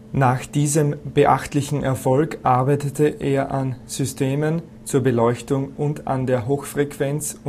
Nach diesem beachtlichen Erfolg arbeitete er an Systemen zur Beleuchtung und an der Hochfrequenz